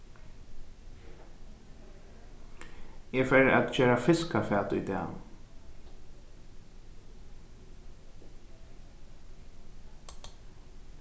eg fari at gera fiskafat í dag